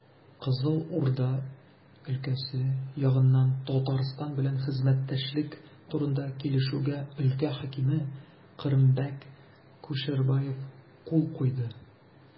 Кызыл Урда өлкәсе ягыннан Татарстан белән хезмәттәшлек турында килешүгә өлкә хакиме Кырымбәк Кушербаев кул куйды.